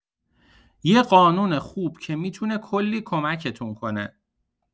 یه قانون خوب که می‌تونه کلی کمکتون کنه.